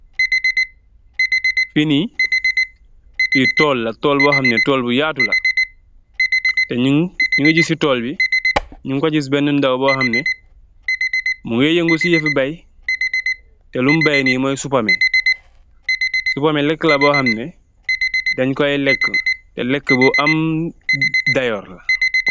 Li tuul la tuul bu yatu ta nyunge giss si tuul bi bennuh ndaw munge bayye supameh, supameh lekuh bu human teneh dang koi lekuh ta dafa am bayra